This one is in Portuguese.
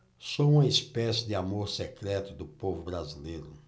sou uma espécie de amor secreto do povo brasileiro